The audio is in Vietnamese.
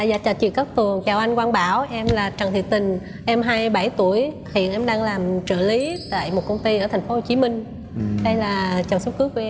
dạ chào chị cát tường chào anh quang bảo em là trần thị tình em hai bảy tuổi hiện em đang làm trợ lý tại một công ty ở thành phố hồ chí minh đây là chồng sắp cưới của em